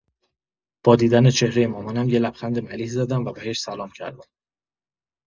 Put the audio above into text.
با دیدن چهرۀ مامانم یه لبخند ملیح زدم و بهش سلام کردم.